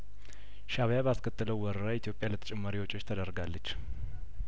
ሻእቢ ያባስከተለው ወረራ ኢትዮጵያ ለተጨማሪ ወጪዎች ተዳርጋለች